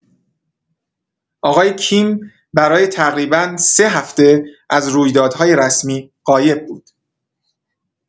آقای کیم برای تقریبا سه هفته از رویدادهای رسمی غایب بود